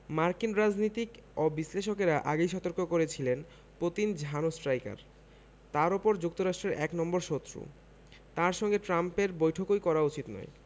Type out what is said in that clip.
মার্কিন রাজনীতিক ও বিশ্লেষকেরা আগেই সতর্ক করেছিলেন পুতিন ঝানু স্ট্রাইকার তার ওপর যুক্তরাষ্ট্রের এক নম্বর শত্রু তাঁর সঙ্গে ট্রাম্পের বৈঠকই করা উচিত নয়